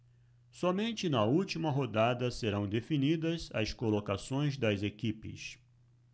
somente na última rodada serão definidas as colocações das equipes